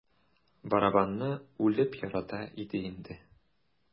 Барабанны үлеп ярата иде инде.